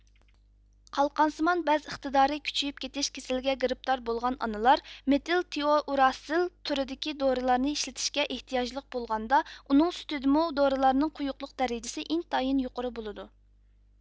قالقانسىمان بەز ئىقتىدارى كۈچىيىپ كېتىش كېسىلىگە گىرىپتار بولغان ئانىلار مېتىل تىئوئۇراتسىل تۈرىدىكى دورىلارنى ئىشلىتىشكە ئېھتىياجلىق بولغاندا ئۇنىڭ سۈتىدىمۇ دورىلارنىڭ قويۇقلۇق دەرىجىسى ئىنتايىن يۇقىرى بولىدۇ